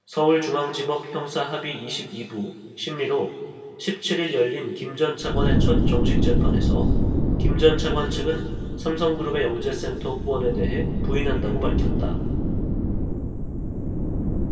서울중앙지법 형사합의 이십 이 부 심리로 십 칠 일 열린 김 전 차관의 첫 정식 재판에서 김 전 차관 측은 삼성그룹의 영재센터 후원에 대해 부인한다고 밝혔다